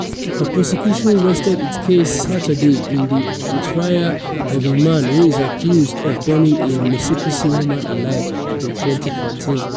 The prosecution rested its case Saturday in the retrial of a man who is accused of burning a Mississippi woman alive in 2014.